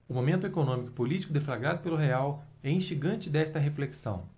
o momento econômico e político deflagrado pelo real é instigante desta reflexão